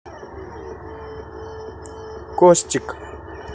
костик